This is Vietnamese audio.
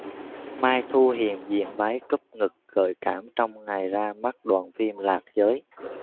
mai thu huyền diện váy cúp ngực gợi cảm trong ngày ra mắt đoàn phim lạc giới